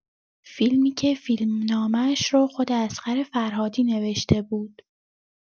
فیلمی که فیلمنامه‌ش رو خود اصغر فرهادی نوشته بود.